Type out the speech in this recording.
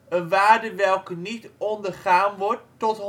een waarde welke niet ondergaan wordt tot